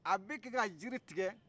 a bɛka jiri tigɛ